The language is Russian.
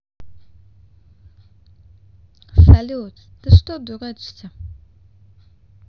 салют ты что дурачишься